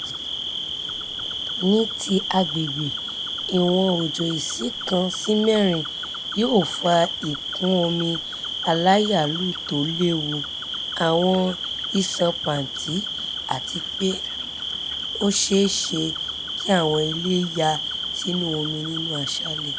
Ní ti agbègbè, ìwọ̀n òjò íǹsì 1 sí 4 yóò fa ìkún omi aláyalù tó léwu, àwọn ìsàn pàǹti àtipé ó ṣeé ṣe kí àwọn ilẹ̀ ya sínú omi nínú aṣálẹ̀.